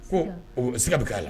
Koiga bɛ k'a la